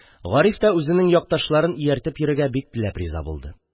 Гариф та үзенең якташларын ияртеп йөрергә бик теләп риза булды.